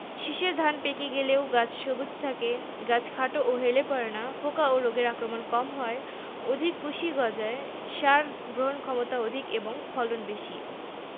পরমাণু পরস্পরের সাথে রাসায়নিক বন্ধন এর মাধ্যমে যুক্ত থাকলে তাকে অণু বলে রাসায়নিক বন্ধন সম্পর্কে তোমরা পঞ্চম অধ্যায়ে বিস্তারিত জানবে দুটি অক্সিজেন পরমাণু পরস্পরের সাথে যুক্ত হয়ে অক্সিজেন অণু গঠিত হয়